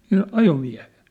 siinä ajomiehessä